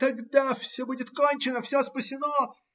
Тогда все будет кончено, все спасено.